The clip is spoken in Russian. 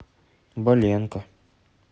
боленко